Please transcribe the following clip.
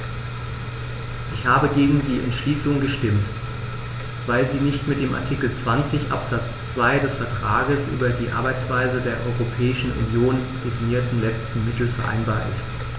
Ich habe gegen die Entschließung gestimmt, weil sie nicht mit dem in Artikel 20 Absatz 2 des Vertrags über die Arbeitsweise der Europäischen Union definierten letzten Mittel vereinbar ist.